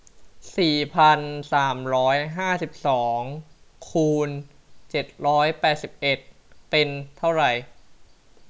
สี่พันสามร้อยห้าสิบสองคูณเจ็ดร้อยแปดสิบเอ็ดเป็นเท่าไร